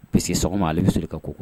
Puisque sɔgɔma ale bɛ soli ka ko